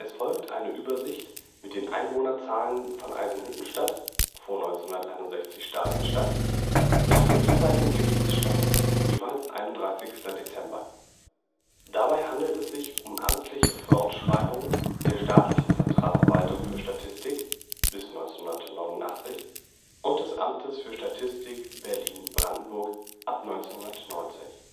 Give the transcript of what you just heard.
folgt eine Übersicht mit den Einwohnerzahlen von Eisenhüttenstadt (vor 1961 Stalinstadt) nach dem jeweiligen Gebietsstand (jeweils 31. Dezember). Dabei handelt es sich um amtliche Fortschreibungen der Staatlichen Zentralverwaltung für Statistik (bis 1989) und des Amtes für Statistik Berlin-Brandenburg (ab 1990